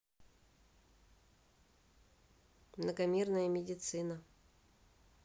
многомерная медицина